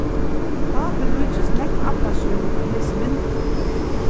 pápi líkist nógv abba sínum á hesi myndini